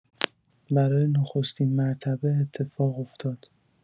برای نخستین مرتبه اتفاق افتاد!